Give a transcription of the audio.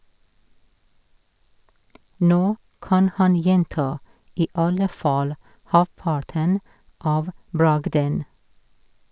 Nå kan han gjenta i alle fall halvparten av bragden.